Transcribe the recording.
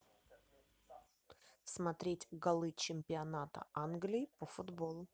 смотреть голы чемпионата англии по футболу